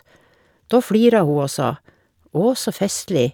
Da flira hun og sa Å, så festlig.